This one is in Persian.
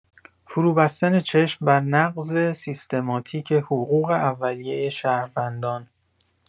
فروبستن چشم بر نقض سیستماتیک حقوق اولیه شهروندان